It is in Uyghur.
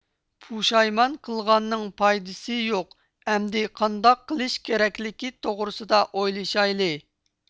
پۇشايمان قىلغاننىڭ پايدىسى يوق ئەمدى قانداق قىلىش كېرەكلىكى توغرىسىدا ئويلىشايلى